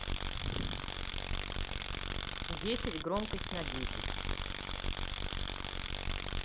десять громкость на десять